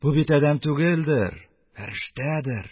Бу бит адәм түгелдер, фәрештәдер